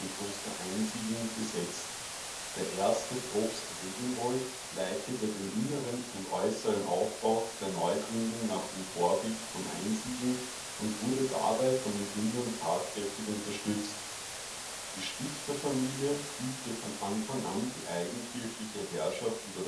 Kloster Einsiedeln besetzt. Der erste Propst Reginbold leitete den inneren und äußeren Aufbau der Neugründung nach dem Vorbild von Einsiedeln und wurde dabei von den Gründern tatkräftig unterstützt. Die Stifterfamilie übte von Anfang an die eigenkirchliche Herrschaft über